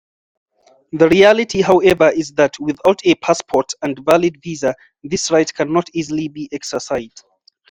The reality, however, is that without a passport and valid visa, this right cannot easily be exercised.